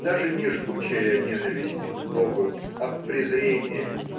даже не жгучая ненависть к Богу, а презрение.